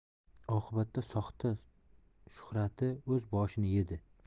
oqibatda soxta shuhrati o'z boshini yedi